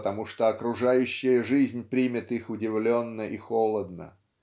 потому что окружающая жизнь примет их удивленно и холодно